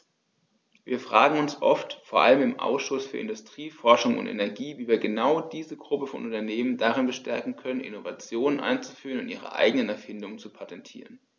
Wir fragen uns oft, vor allem im Ausschuss für Industrie, Forschung und Energie, wie wir genau diese Gruppe von Unternehmen darin bestärken können, Innovationen einzuführen und ihre eigenen Erfindungen zu patentieren.